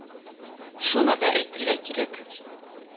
Шуны да әйтергә кирәк: